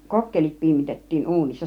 kokkelit piimitettiin uunissa